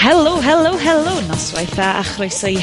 Helo. Helo. Helo. Noswaith dda a chroeso i...